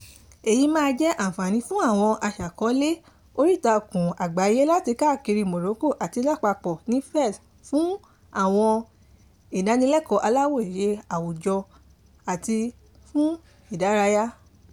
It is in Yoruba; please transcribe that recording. Èyí máa jẹ́ àǹfààní fún àwọn aṣàkọọ́lẹ̀ oríìtakùn àgbáyé láti káàkiri Morocco láti parapọ̀ ní Fez fún àwọn ìdánilẹ́kọ̀ọ́ aláwòṣe, àwùjọ, àti fún ìdárayá.